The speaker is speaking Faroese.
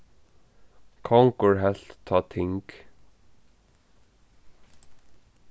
kongur helt tá ting